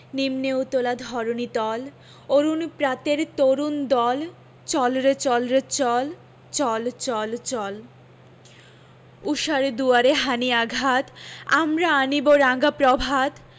নিম্নে উতলা ধরণি তল অরুণ প্রাতের তরুণ দল চল রে চল রে চল চল চল চল ঊষার দুয়ারে হানি' আঘাত আমরা আনিব রাঙা প্রভাত